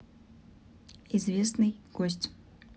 известный гость